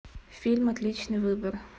фильм отличный выбор